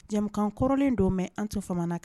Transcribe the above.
Jamakan kɔrɔlen don mɛn an to kɛ